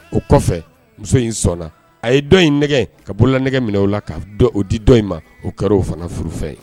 O kɔfɛ muso in sɔnna a ye dɔ in nɛgɛ ka bolola nɛgɛ minɛ o la'a o di dɔ in ma o kɛra oo fanga furu fɛ ye